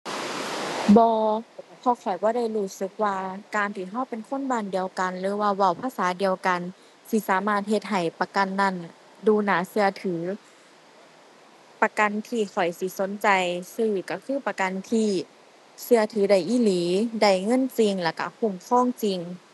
บ่ เพราะข้อยบ่ได้รู้สึกว่าการที่เราเป็นคนบ้านเดียวกันหรือว่าเว้าภาษาเดียวกัน สิสามารถเฮ็ดให้ประกันนั้นดูน่าเราถือ ประกันที่ข้อยสิสนใจซื้อเราคือประกันที่เราถือได้อีหลี ได้เงินจริงแล้วเราคุ้มครองจริง